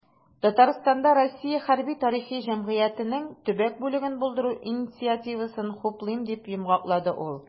"татарстанда "россия хәрби-тарихи җәмгыяте"нең төбәк бүлеген булдыру инициативасын хуплыйм", - дип йомгаклады ул.